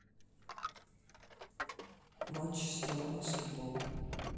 матч страна баскетбол